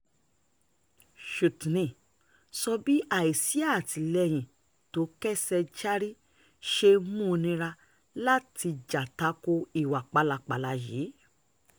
Chutni sọ bí àìsí àtìlẹ́yìn tó késejárí ṣe mú u nira láti jà tako ìwà pálapàla yìí.